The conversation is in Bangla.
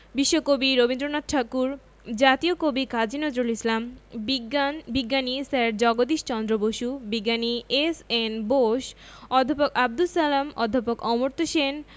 বিশ্বকবি রবীন্দ্রনাথ ঠাকুর জাতীয় কবি কাজী নজরুল ইসলাম বিজ্ঞান বিজ্ঞানী স্যার জগদীশ চন্দ্র বসু বিজ্ঞানী এস.এন বোস অধ্যাপক আবদুস সালাম অধ্যাপক অমর্ত্য সেন